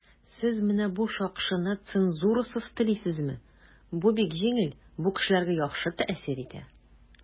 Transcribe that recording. "сез менә бу шакшыны цензурасыз телисезме?" - бу бик җиңел, бу кешеләргә яхшы тәэсир итә.